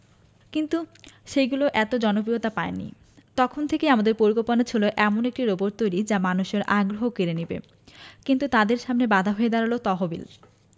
কিন্তু সেগুলো এত জনপ্রিয়তা পায়নি তখন থেকেই তাদের পরিকল্পনা ছিল এমন একটি রোবট তৈরির যা মানুষের আগ্রহ কেড়ে নেবে কিন্তু তাদের সামনে বাধা হয়ে দাঁড়াল তহবিল